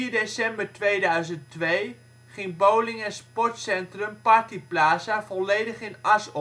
december 2002 ging bowling - en sportcentrum Party Plaza volledig in as